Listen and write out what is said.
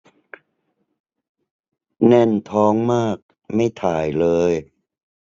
แน่นท้องมากไม่ถ่ายเลย